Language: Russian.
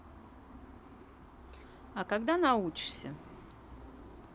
а когда научишься